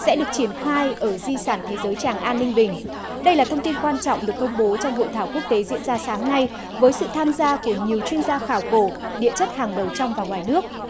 sẽ được triển khai ở di sản thế giới tràng an ninh bình đây là thông tin quan trọng được công bố trong hội thảo quốc tế diễn ra sáng nay với sự tham gia của nhiều chuyên gia khảo cổ địa chất hàng đầu trong và ngoài nước